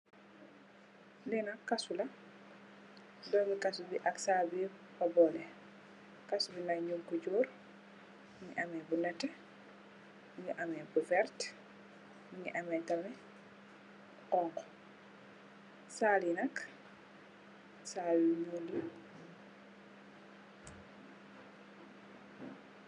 Li nak kassu la ndomu kassu bi ak sall bi yep sor ko boleh kassu bi nak nyung ko njorr mugi ameh bu nehteh mugi ameh bu verte mugi ameh tamit khonkho salli nak salli nyul.